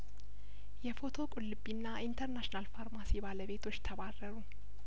የፎቶ ቁልቢና ኢንተርናሽናል ፋርማሲ ባለቤቶች ተባረሩ